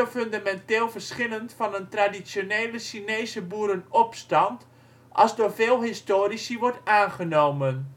fundamenteel verschillend van een traditionele Chinese boerenopstand als door veel historici wordt aangenomen